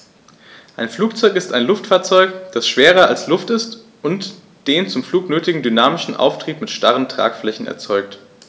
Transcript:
Ein Flugzeug ist ein Luftfahrzeug, das schwerer als Luft ist und den zum Flug nötigen dynamischen Auftrieb mit starren Tragflächen erzeugt.